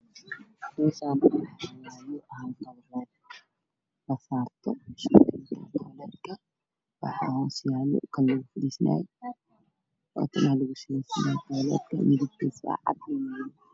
Meeshaan waxaa yaalo miis waxaa hoos yaalla kursi kalarkiisa waa madow